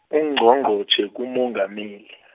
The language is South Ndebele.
Ungqongqotjhe Kumongameli.